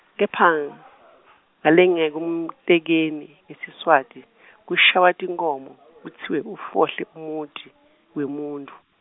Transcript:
kepha ng- , ngalengekumtekeni, ngeSiswati , kushaywa tinkhomo, kutsiwe ufohle umuti, wemuntfu.